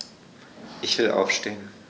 Ich will aufstehen.